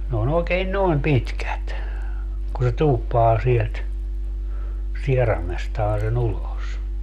ne on oikein noin pitkät kun se tuuppaa sieltä sieraimestaan sen ulos